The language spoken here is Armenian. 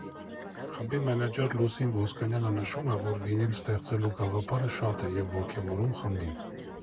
Խմբի մենեջեր Լուսին Ոսկանյանը նշում է, որ վինիլ ստեղծելու գաղափարը շատ է ոգևորում խմբին.